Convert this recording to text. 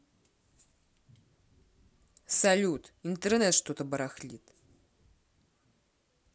салют интернет что то барахлит